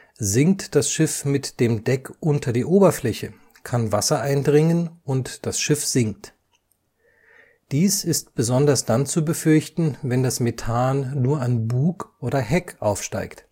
Sinkt das Schiff mit dem Deck unter die Oberfläche, kann Wasser eindringen, und das Schiff sinkt. Dies ist besonders dann zu befürchten, wenn das Methan nur an Bug oder Heck aufsteigt